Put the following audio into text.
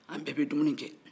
an bɛɛ bɛ dumuni kɛ